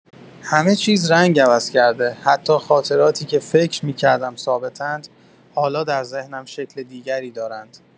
همه‌چیز رنگ عوض کرده، حتی خاطراتی که فکر می‌کردم ثابت‌اند، حالا در ذهنم شکل دیگری دارند.